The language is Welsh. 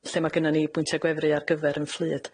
lle ma' gynnan ni bwyntia gwefru ar gyfer 'yn fflyd.